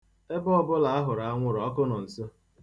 Ebe ọbụla a hụrụ anwụrụ, ọkụ nọ nso.